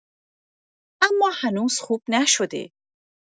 اما هنوز خوب نشده